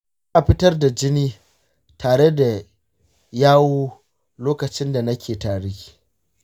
ina fitar da jini tare da yawu lokacin da nake tari.